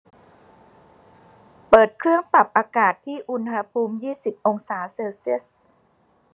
เปิดเครื่องปรับอากาศที่อุณหภูมิยี่สิบองศาเซลเซียส